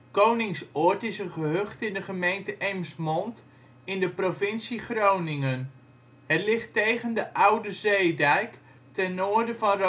Koningsoord is een gehucht in de gemeente Eemsmond in de provincie Groningen. Het ligt tegen een oude zeedijk, ten noorden van